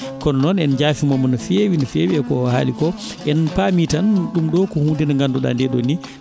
kono noon en jafimomo no fewi no fewi eko haali ko en paami tan ɗum ɗo ko hunde nde ngannduɗaa nde ɗonni